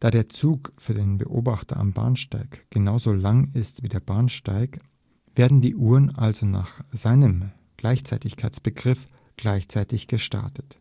Da der Zug für den Beobachter am Bahnsteig genauso lang ist wie der Bahnsteig, werden die Uhren also nach seinem Gleichzeitigkeitsbegriff gleichzeitig gestartet.